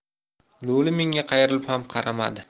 lo'li menga qayrilib ham qaramadi